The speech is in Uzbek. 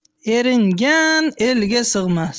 eringan elga sig'mas